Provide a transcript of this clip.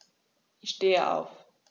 Ich stehe auf.